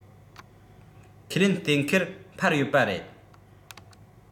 ཁས ལེན གཏན འཁེལ འཕར ཡོད པ རེད